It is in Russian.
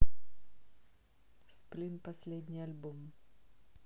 сплин последний альбом